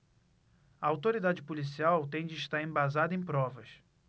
a autoridade policial tem de estar embasada em provas